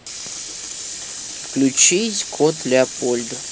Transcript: включить кот леопольд